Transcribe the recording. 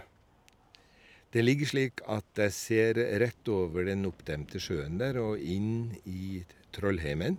Det ligger slik at jeg ser rett over den oppdemte sjøen der og inn i t Trollheimen.